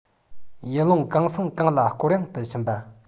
ཡུལ ལུང གང ས གང ལ སྐོར གཡེང དུ ཕྱིན པ